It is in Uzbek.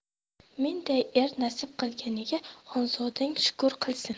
menday er nasib qilganiga xonzodangiz shukr qilsin